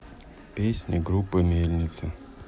песни группы мельница